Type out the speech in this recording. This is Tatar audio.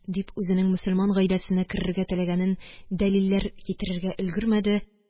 Дип, үзенең мөселман гаиләсенә керергә теләгәнен дәлилләр китерергә өлгермәде